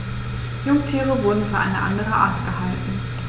Jungtiere wurden für eine andere Art gehalten.